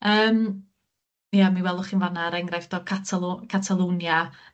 Yym ia mi welwch chi'n fan 'na'r enghraifft o Catalw- Catalwnia